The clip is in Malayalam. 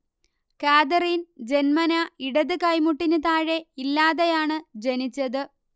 കാതറീൻ ജന്മനാ ഇടത് കൈമുട്ടിന് താഴെ ഇല്ലാതെയാണ് ജനിച്ചത്